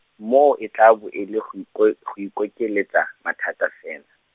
moo e tla bo e le go iko- go ikokeletsa, mathata fela.